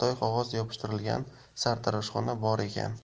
qog'oz yopishtirilgan sartaroshxona bor ekan